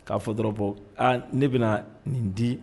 K'a fɔ dɔrɔnw bon aa ne bɛna nin di